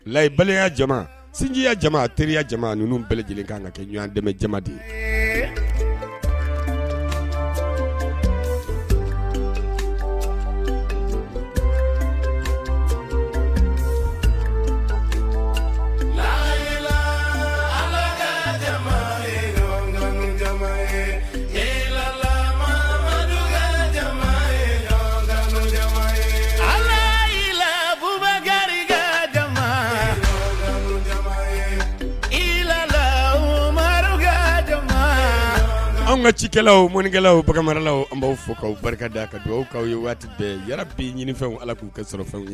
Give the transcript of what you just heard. Layibalileya jama sinjiya jama terieliya jama ninnu bɛɛlɛ lajɛlen kan ka kɛ ɲɔgɔn dɛmɛja de ye bɛ ja mamadu ka jama an ka cikɛlaw mɔnikɛlawla an b'aw fɔ aw barika da ka dugawu awkaw waati bɛɛ yɛrɛ bɛ ɲiniw ala k'u ka sɔrɔ fɛn ye